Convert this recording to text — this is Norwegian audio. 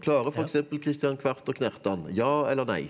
klarer f.eks. Kristian Kvart og knerte han, ja eller nei?